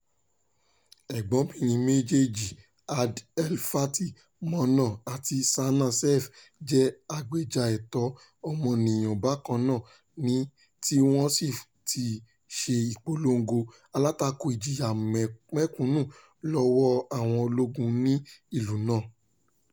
Ẹ̀gbọ́n-bìrin méjèèjì Abd El Fattah, Mona àti Sanaa Seif, jẹ́ agbèjà ẹ̀tọ́ ọmọnìyàn bákan náà tí wọ́n sì ti ṣe ìpolongo alátakò ìjìyà mẹ́kúnnú lọ́wọ́ọ àwọn ológun ní ìlú náà.